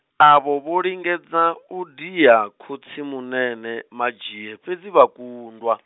avha vho lingedza, u dia khotsimunene Madzhie fhedzi vha kundwa.